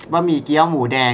บะหมี่เกี๊ยวหมูแดง